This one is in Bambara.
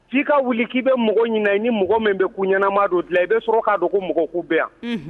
K'i ka wuli k'i bɛ mɔgɔ ɲin i ni mɔgɔ min bɛ ku ɲɛnaanama don dilan i bɛ sɔrɔ k'a dɔn ko mɔgɔ ku bɛ yan